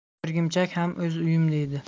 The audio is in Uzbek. o'rgimchak ham o'z uyim deydi